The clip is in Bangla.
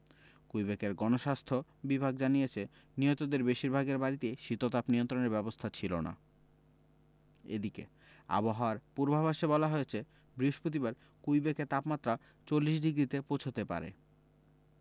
কুইবেকের গণস্বাস্থ্য বিভাগ জানিয়েছে নিহতদের বেশিরভাগের বাড়িতে শীততাপ নিয়ন্ত্রণের ব্যবস্থা ছিল না এদিকে আবহাওয়ার পূর্বাভাসে বলা হয়েছে বৃহস্পতিবার কুইবেকে তাপমাত্রা ৪০ ডিগ্রিতে পৌঁছাতে পারে